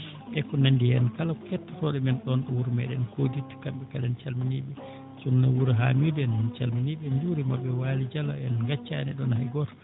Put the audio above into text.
e ko nanndi heen kala kettotooɗo men ɗoon ɗo wuro meeɗen Koodit kamɓe kala en calminii ɓe joomum wuro Hamidou en min calminii ɓe min njuuriima ɓe Wali Dialo en ngaccaani ɗoon hay gooto